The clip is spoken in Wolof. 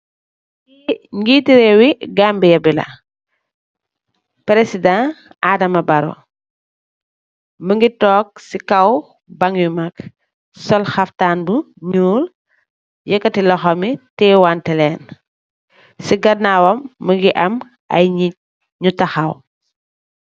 Li njeeti rewi gambia bi la president adama barrow munge tok si kaw bang yu mak sul kaftan bu nyul yeketi luxhom yi teyeh wanted lenen si ganawam munge am aye nit yu takhaw